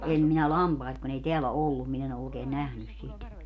en minä lampaita kun ei täällä ollut minä en ole oikein nähnyt sitä